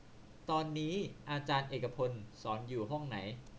ตอนนี้อาจารย์เอกพลสอนอยู่ห้องไหน